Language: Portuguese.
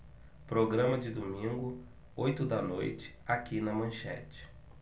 programa de domingo oito da noite aqui na manchete